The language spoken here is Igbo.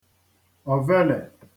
òvèlè